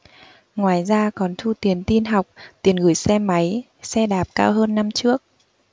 ngoài ra còn thu tiền tin học tiền gửi xe máy xe đạp cao hơn năm trước